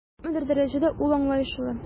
Күпмедер дәрәҗәдә ул аңлаешлы.